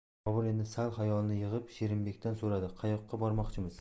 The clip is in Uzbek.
bobur endi sal xayolini yig'ib sherimbekdan so'radi qayoqqa bormoqchimiz